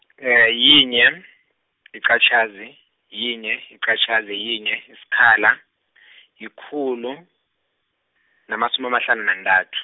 yinye, yiqatjhazi, yinye, yiqatjhazi, yinye, yisikhala , yikhulu, namasumi amahlanu nantathu.